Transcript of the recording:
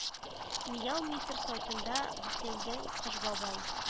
Мияумистер сайтында бикләнгән кыш бабай